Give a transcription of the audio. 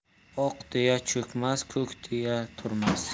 oq tuya cho'kmas ko'k tuya turmas